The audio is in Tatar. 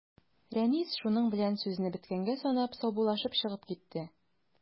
Рәнис, шуның белән сүзне беткәнгә санап, саубуллашып чыгып китте.